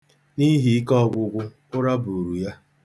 N'ihi ikeọ̄gwụ̄gwụ̄, ụra buuru ya.